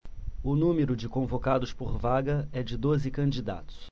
o número de convocados por vaga é de doze candidatos